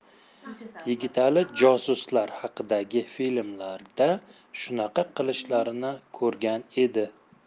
yigitali josuslar haqidagi filmlarda shunaqa qilishlarini ko'rgan edi